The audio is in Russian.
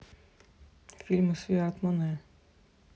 фильмы с виа арт моне